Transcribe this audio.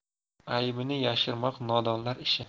aybini yashirmoq nodonlar ishi